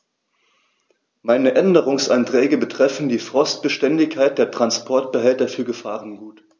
Meine Änderungsanträge betreffen die Frostbeständigkeit der Transportbehälter für Gefahrgut.